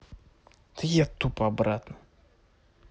я тупо обратно